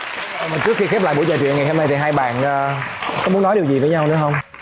và trước khi khép lại buổi trò chuyện ngày hôm nay thì hai bạn có muốn nói điều gì với nhau nữa hông